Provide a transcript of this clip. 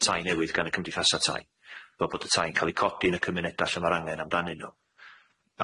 tai newydd gan y cymdeithasa tai fel bod y tai'n ca'l 'i codi yn y cymuneda lle ma'r angen amdanyn nw.